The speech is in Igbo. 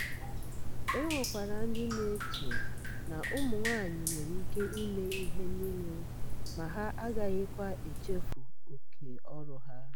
E nwekwara ndị na-eche na ụmụ nwaanyị nwere ike ime ihe niile, ma ha agaghịkwa echefu "oke ọrụ" ha